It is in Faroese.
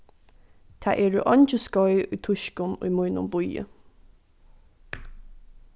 tað eru eingi skeið í týskum í mínum býi